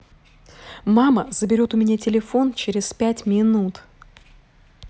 мама заберет у меня телефон через пять минут